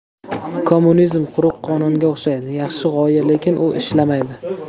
kommunizm quruq qonunga o'xshaydi yaxshi g'oya lekin u ishlamaydi